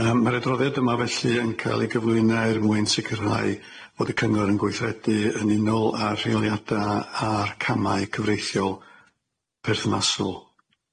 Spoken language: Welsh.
Yym ma'r adroddiad yma felly yn ca'l ei gyflwyno er mwyn sicrhau bod y cyngor yn gweithredu yn unol â'r rheoliada' a'r camau cyfreithiol perthnasol.